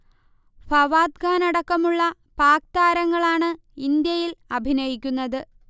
ഫവാദ്ഖാൻ അടക്കമുള്ള പാക് താരങ്ങളാണ് ഇന്ത്യയിൽ അഭിനയിക്കുന്നത്